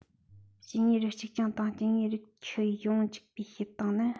སྐྱེ དངོས རིགས གཅིག རྐྱང དང སྐྱེ དངོས རིགས ཁྱུ ཡོངས འཇིག པའི བྱེད སྟངས ནི